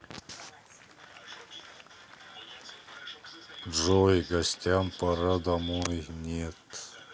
джой гостям пора домой нет